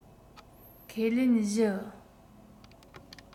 ཁས ལེན བཞི